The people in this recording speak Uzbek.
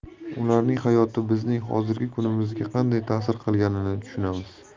ularning hayoti bizning hozirgi kunimizga qanday ta'sir qilganini tushunamiz